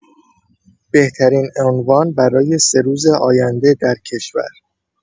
بهترین عنوان برای سه روز آینده در کشور